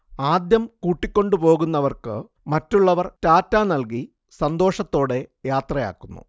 ആദ്യം കൂട്ടിക്കൊണ്ടുപോകുന്നവർക്കു മറ്റുള്ളവർ ടാറ്റാ നൽകി സന്തോഷത്തോടെ യാത്രയാക്കുന്നു